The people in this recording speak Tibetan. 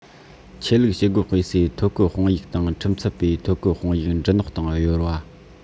ཆོས ལུགས བྱེད སྒོ སྤེལ སའི ཐོ བཀོད དཔང ཡིག དང ཁྲིམས ཚབ པའི ཐོ བཀོད དཔང ཡིག འབྲི སྣོག དང གཡོར བ